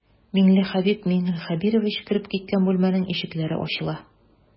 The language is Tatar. Миңлехәбиб миңлехәбирович кереп киткән бүлмәнең ишекләре ачыла.